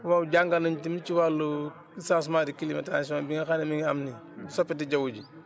loolu jàngal na ñu tamit ci wàllu changement climat bi nga xam ne mi ngi am nii soppite jaww ji